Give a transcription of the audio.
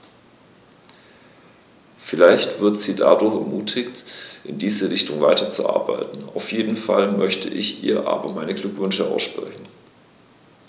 Vielleicht wird sie dadurch ermutigt, in diese Richtung weiterzuarbeiten, auf jeden Fall möchte ich ihr aber meine Glückwünsche aussprechen.